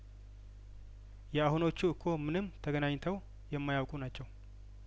የአሁኖቹ እኮምንም ተገናኝ ተው የማያውቁ ናቸው